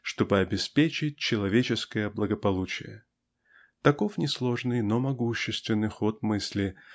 чтобы обеспечить человеческое благополучие. Таков несложный но могущественный ход мысли